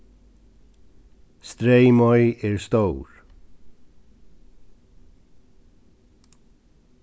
streymoy er stór